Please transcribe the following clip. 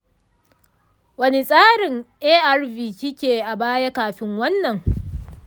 wani tsarin arv kike a baya kafin wannan?